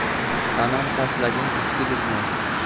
sanam tashlagin ichkilikni